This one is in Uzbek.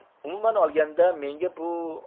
umuman olganda menga bu